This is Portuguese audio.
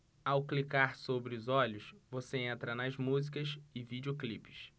ao clicar sobre os olhos você entra nas músicas e videoclipes